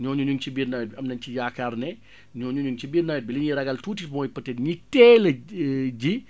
ñooñu ñu ngi ci biir nawet bi am nañ ci yaakaar ne ñooñu ñu ngi ci biir nawet bi li ñuy ragal tuuti mooy peut être ñi teel a ji